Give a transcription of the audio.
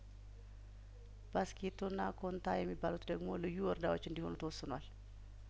ባስ ኪቶና ኮንታ የሚባሉት ደግሞ ልዩ ወረዳዎች እንዲሆኑ ተወስኗል